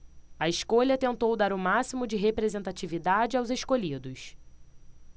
a escolha tentou dar o máximo de representatividade aos escolhidos